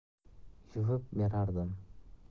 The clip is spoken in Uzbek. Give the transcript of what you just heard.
yuvib berardim